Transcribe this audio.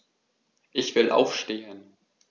Ich will aufstehen.